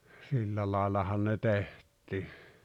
sillä laillahan ne tehtiin